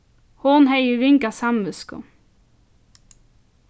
hon hevði ringa samvitsku